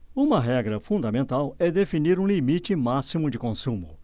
uma regra fundamental é definir um limite máximo de consumo